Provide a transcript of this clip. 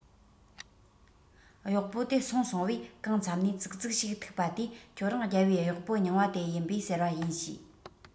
གཡོག པོ དེ སོང སོང བས གང མཚམས ནས ཙི ཙི ཞིག ཐུག པ དེས ཁྱོད རང རྒྱལ པོའི གཡོག པོ རྙིང པ དེ ཡིན པས ཟེར བ ཡིན བྱས